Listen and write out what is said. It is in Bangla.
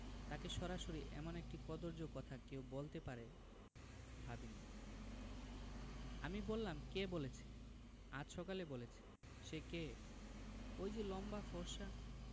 তাকে সরাসরি এমন একটি কদৰ্য কথা কেউ বলতে পারে ভাবিনি আমি বললাম কে বলেছে আজ সকালে বলেছে সে কে ঐ যে লম্বা ফর্সা